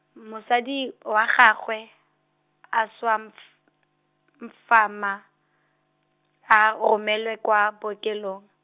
mosadi wa gagwe, a swa mf-, mfama, a romelwa kwa bookelong.